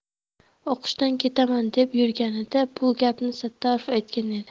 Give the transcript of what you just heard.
o'qishdan ketaman deb yurganida bu gapni sattorov aytgan edi